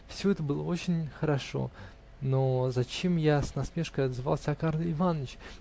Все это было очень хорошо; но зачем я с насмешкой отзывался о Карле Иваныче?